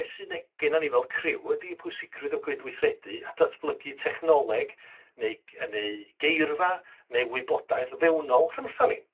be' sy'ne- gennon ni fel criw, ydi pwysigrwydd o gydweithredu a datblygu technoleg neu gy- yy neu geirfa ne' wybodaeth fewnol rhyngthon ni.